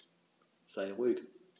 Sei ruhig.